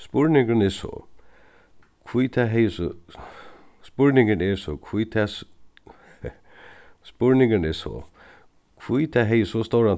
spurningurin er so hví tað hevði so spurningurin er so hví tað spurningurin er so hví tað hevði so stóran